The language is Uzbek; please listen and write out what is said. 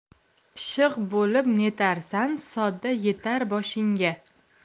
pishiq bo'lib netarsan sodda yetar boshingga